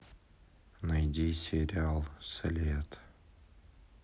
найди сериал след